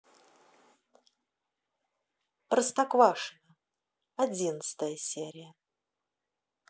простоквашино одиннадцатая серия